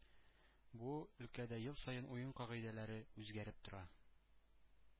Бу өлкәдә ел саен уен кагыйдәләре үзгәреп тора.